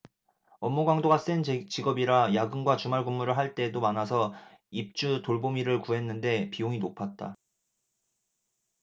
업무 강도가 센 직업이라 야근과 주말근무를 할 때도 많아서 입주돌보미를 구했는데 비용이 높았다